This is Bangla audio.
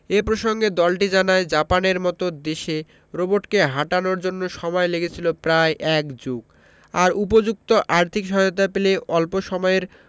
এ প্রসঙ্গে দলটি জানায় জাপানের মতো দেশে রোবটকে হাঁটানোর জন্য সময় লেগেছিল প্রায় এক যুগ আর উপযুক্ত আর্থিক সহায়তা পেলে অল্প সময়ের